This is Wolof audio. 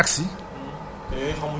parce que yooyu moom buy ñëw